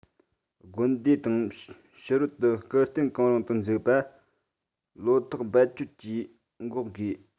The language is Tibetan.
དགོན སྡེ དང ཕྱི རོལ དུ སྐུ རྟེན གང བྱུང དུ འཛུགས པ བློ ཐག རྦད ཆོད ཀྱིས འགོག དགོས